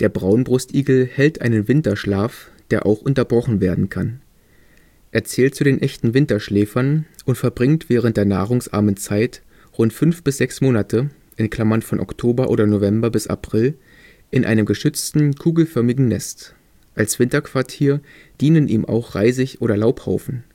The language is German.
Braunbrustigel hält einen Winterschlaf, der auch unterbrochen werden kann. Er zählt zu den echten Winterschläfern und verbringt während der nahrungsarmen Zeit rund fünf bis sechs Monate (von Oktober oder November bis April) in einem geschützten kugelförmigen Nest, als Winterquartier dienen ihm auch Reisig - oder Laubhaufen